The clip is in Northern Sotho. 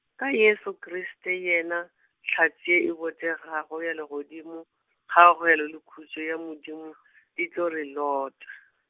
ka Jesu Kriste yena, hlatse e botegago ya legodimo, kgaogelo le khutšo ya Modimo , di tlo re lota.